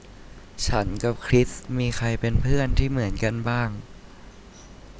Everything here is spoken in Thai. ฉันกับคริสมีใครเป็นเพื่อนที่เหมือนกันบ้าง